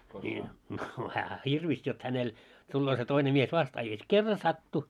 niin no hänhän hirvisi jotta hänellä tulee se toinen mies vastaan ja se kerran sattui